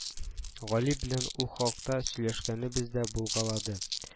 Гали белән ул хакта сөйләшкәнебез дә булгалады